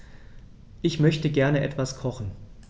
Ich möchte gerne etwas kochen.